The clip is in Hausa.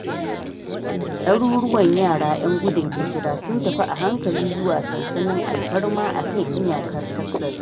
Daruruwan yara 'Yan gudun hijira sun tafi a hankali zuwa sansanin alfarma a kan iyakar Texas